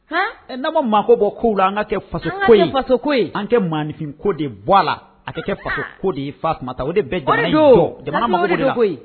Na maa ko bɔ k' la an ka kɛ koko an kɛ maainfin ko de bɔ a la an ka kɛ ko de fata o de bɛ jamana jamana koyi